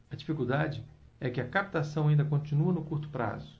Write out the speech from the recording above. a dificuldade é que a captação ainda continua no curto prazo